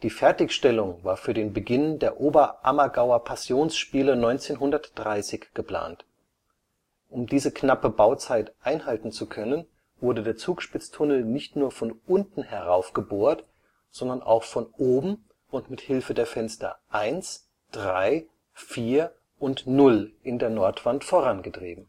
Fertigstellung war für den Beginn der Oberammergauer Passionsspiele 1930 geplant. Um diese knappe Bauzeit einhalten zu können, wurde der Zugspitztunnel nicht nur von unten herauf gebohrt, sondern auch von oben und mit Hilfe der Fenster I, III, IV und 0 in der Nordwand vorangetrieben